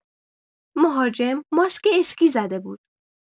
مهاجم ماسک اسکی زده بود.